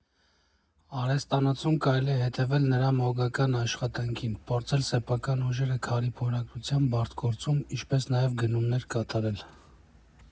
Արհեստանոցում կարելի է հետևել նրա մոգական աշխատանքին, փորձել սեփական ուժերը քարի փորագրության բարդ գործում, ինչպես նաև գնումներ կատարել։